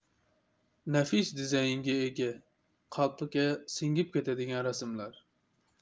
nafis dizaynga ega qalbga singib ketadigan rasmlar